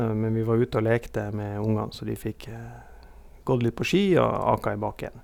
Men vi var ute og lekte med ungene så de fikk gått litt på ski og akt i bakken.